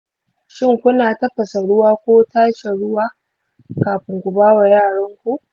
shin kuna tafasa ruwa ko tace ruwa kafin ku ba wa yaronku?